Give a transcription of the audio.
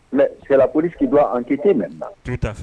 Mɛ siraoli don an kete mɛn